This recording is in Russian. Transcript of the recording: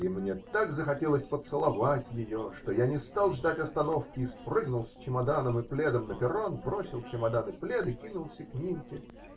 И мне так захотелось поцеловать ее, что я не стал ждать остановки и спрыгнул с чемоданом и пледом на перрон, бросил чемодан и плед и кинулся к Нинке.